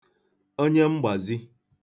onye mgbàzi